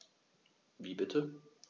Wie bitte?